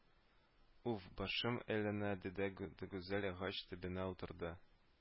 Уф, башым әйләнә, диде дә Гүзәл агач төбенә утырды